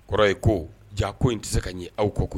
Kɔrɔ ye ko jaa ko in tɛ se ka ɲɛ aw ko koyi